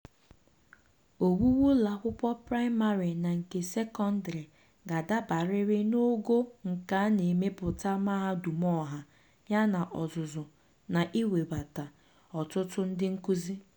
Owuwu ụlọakwụkwọ praịmarị na nke sekọndrị ga-adabarịrị n'ogo nke a na-emepụta mahadum ọha, yana ọzụzụ na iwebata ọtụtụ ndị nkụzi.